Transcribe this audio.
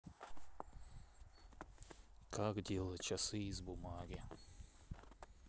как делать часы из бумаги